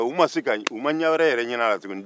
u ma ɲɛ wɛrɛ ɲini a la tuguni